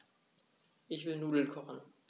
Ich will Nudeln kochen.